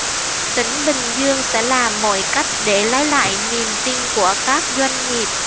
tỉnh bình dương sẽ làm mọi cách để lấy lại niềm tin của các doanh nghiệp